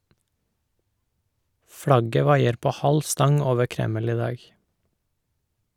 Flagget vaier på halv stang over Kreml i dag.